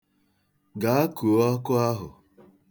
Gaa, kuo ọkụ ahụ.